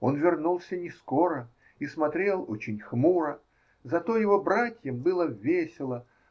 Он вернулся не скоро и смотрел очень хмуро. Зато его братьям было весело.